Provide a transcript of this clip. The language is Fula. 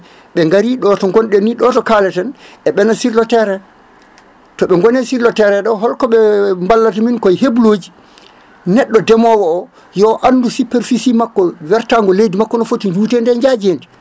ɓe gari ɗo to gonɗen ni ɗo to kalaten eɓena sur le terrain tooɓe gone sur le terrain ɗo holko koɓe ballata min koye hebloji neɗɗo ndemowo yo andu superficie makko wertago leydi makko no n foti juutedi e jaajedi